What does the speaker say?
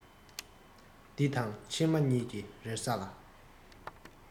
འདི དང ཕྱི མ གཉིས ཀྱི རེ ས ལ